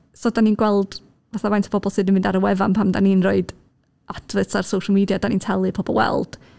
So dan ni'n gweld, fatha, faint o bobl sydd yn mynd ar y wefan pan dan ni'n rhoid adverts ar social media dan ni'n talu i pobl weld...